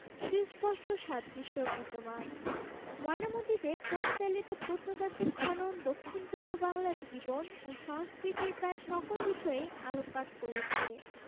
সুস্পষ্ট সাদৃশ্য বিদ্যমান ময়নামতীতে পরিচালিত প্রত্নতাত্ত্বিক খনন দক্ষিণ পূর্ব বাংলার জীবন ও সংস্কৃতির প্রায় সকল বিষয়েই আলোকপাত করেছে